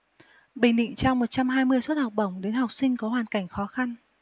bình định trao một trăm hai mươi suất học bổng đến học sinh có hoàn cảnh khó khăn